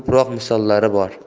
ko'ra ko'proq misollari bor